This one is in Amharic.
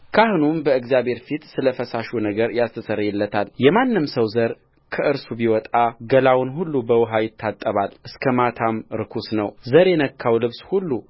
ካህኑም በእግዚአብሔር ፊት ስለ ፈሳሹ ነገር ያስተሰርይለታልየማንም ሰው ዘር ከእርሱ ቢወጣ ገላውን ሁሉ በውኃ ይታጠባል እስከ ማታም ርኩስ ነውዘር የነካው ልብስ ሁሉ